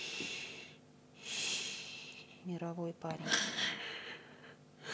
мировой парень